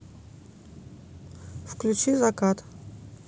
включи закат